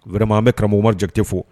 vraiment an bɛ karamɔgɔ Umaru jakite fo.